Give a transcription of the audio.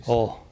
on